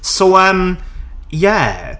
So yym ie.